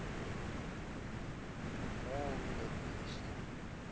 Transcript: молния песня